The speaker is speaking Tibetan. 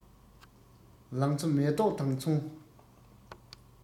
ལང ཚོ མེ ཏོག དང མཚུངས